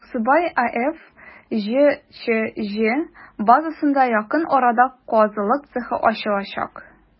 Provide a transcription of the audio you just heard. «аксубай» аф» җчҗ базасында якын арада казылык цехы ачылачак.